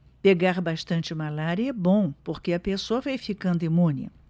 pegar bastante malária é bom porque a pessoa vai ficando imune